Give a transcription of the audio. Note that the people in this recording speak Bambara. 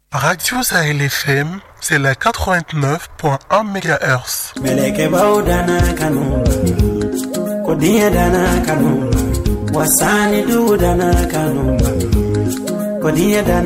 Sagasiwsa yɛlɛ fɛ sɛka kɔn tun fɔ an bɛ mkɛbaa nana kanu ko den nana ka wa san nana ka kodi nana